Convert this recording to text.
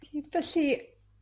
Felly